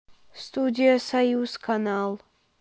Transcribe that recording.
студия союз канал